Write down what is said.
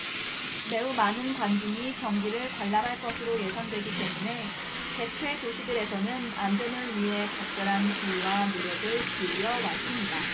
매우 많은 관중이 경기를 관람할 것으로 예상되기 때문에 개최 도시들에서는 안전을 위해 각별한 주의와 노력을 기울여 왔습니다